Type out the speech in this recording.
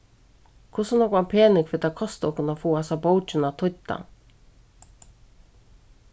hvussu nógvan pening fer tað at kosta okkum at fáa hasa bókina týdda